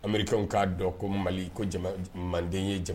Amirike k'a dɔn ko mali ko jama manden ye jama